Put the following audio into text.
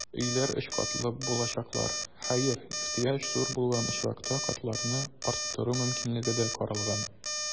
Өйләр өч катлы булачаклар, хәер, ихтыяҗ зур булган очракта, катларны арттыру мөмкинлеге дә каралган.